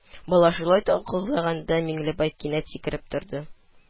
Бала шулай такылдаганда Миңлебай кинәт сикереп торды